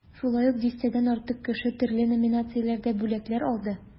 Шулай ук дистәдән артык кеше төрле номинацияләрдә бүләкләр алды.